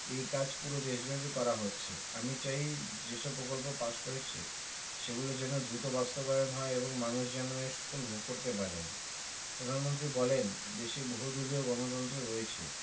এই কাজ পুরো দেশব্যাপী করা হচ্ছে আমি চাই যেসব প্রকল্প পাস হয়েছে সেগুলো যেন দ্রুত বাস্তবায়ন হয় এবং মানুষ যেন এর সুফল ভোগ করতে পারেন প্রধানমন্ত্রী বলেন দেশে বহুদলীয় গণতন্ত্র রয়েছে